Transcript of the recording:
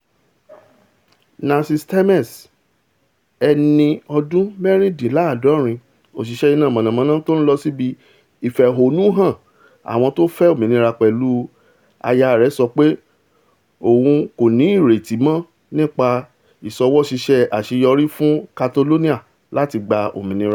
Narcis Termes, ẹni ọdún méjìdíńlá́àádọ́rin, òṣìṣẹ́ iná mànàmáná tó ńlọ síbí ìfẹ̀hónúhàn àwọn tó fẹ òmìnira pẹ̀lú aya rẹ̀ sọ pé òun kòní ìrètí mọ́ nípa ìṣọwọ́ṣeéṣe àṣeyọrí fún Catalonia láti gba òmìnira.